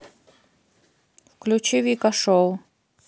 включи вика шоу